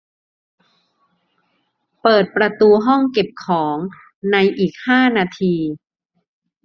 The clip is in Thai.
เปิดประตูห้องเก็บของในอีกห้านาที